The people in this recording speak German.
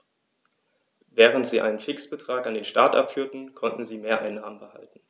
Während sie einen Fixbetrag an den Staat abführten, konnten sie Mehreinnahmen behalten.